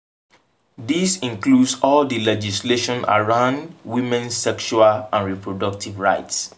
This includes all the legislation around women’s sexual and reproductive rights.